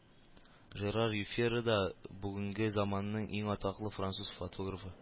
Жерар Юфера да – бүгенге заманның иң атаклы француз фотографы